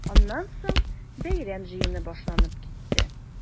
Аннан соң бәйрәм җыены башланып китте.